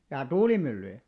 jaa tuulimyllyjä